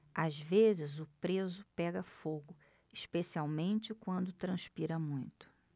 às vezes o preso pega fogo especialmente quando transpira muito